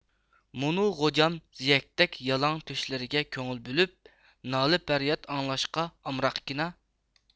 مۇنۇ غوجام زىيەكتەك يالاڭ تۆشلەرگە كۆڭۈل بۆلۈپ نالە پەرياد ئاڭلاشقا ئامراقكىنا